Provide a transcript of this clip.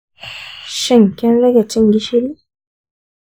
shin, kin rage cin gishiri?